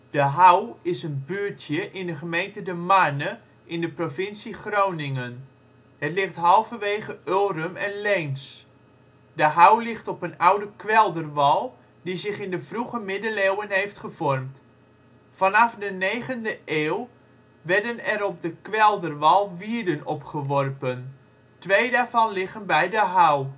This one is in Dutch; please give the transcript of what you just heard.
De Houw is een buurtje in de gemeente De Marne in de provincie Groningen. Het ligt halverwege Ulrum en Leens. De Houw ligt op een oude kwelderwal die zich in de vroege Middeleeuwen heeft gevormd. Vanaf de negende eeuw werden er op de kwelderwal wierden opgeworpen. Twee daarvan liggen bij De Houw